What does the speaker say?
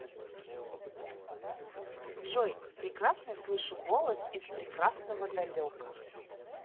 джой прекрасно слышу голос из прекрасного далека